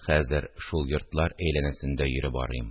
Хәзер шул йортлар әйләнәсендә йөреп арыйм